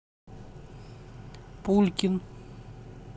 пулькин